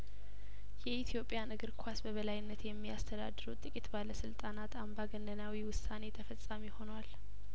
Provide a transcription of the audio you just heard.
የኢትዮጵያን እግር ኳስ በበላይነት በሚያስተዳድሩት ጥቂት ባለስልጣናት አምባገነናዊ ውሳኔ ተፈጻሚ ሆኗል